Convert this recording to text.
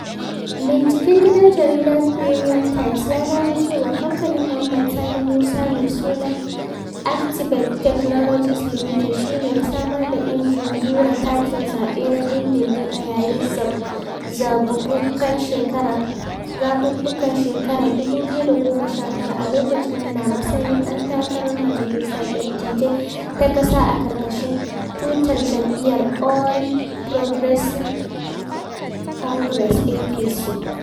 Binciken gidan jaridar Premium Times ya gano cewa kamfanin Mohammed Sani Musa mai suna Actiɓate Technologies Limited shi ne ya samar da injin zura katin zaɓe na din-din-din a yayin zaɓuɓɓukan shekarar 2019, a lokacin yana matsayin ɗan takarar majalisar dattijai ta ƙasa a ƙarƙashin tutar jam'iyyar All Progressiɓe Congress (APC).